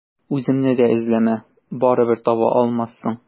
Үземне дә эзләмә, барыбер таба алмассың.